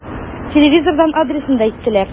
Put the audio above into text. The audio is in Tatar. Телевизордан адресын да әйттеләр.